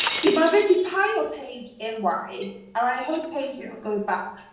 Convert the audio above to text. Mae fe 'di païo Paige unwaith and I hope Paige doesn't go back.